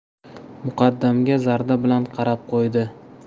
muqaddamga zarda bilan qarab qo'ydi